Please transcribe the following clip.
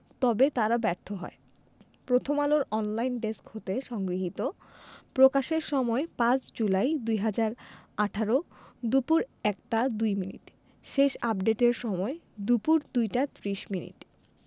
তবে তারা ব্যর্থ হয় প্রথমআলোর অনলাইন ডেস্ক হতে সংগৃহীত প্রকাশের সময় ৫ জুলাই ২০১৮ দুপুর ১টা ২মিনিট শেষ আপডেটের সময় দুপুর ২টা ৩০ মিনিট